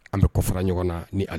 An bɛ kɔ fara ɲɔgɔn na ni ale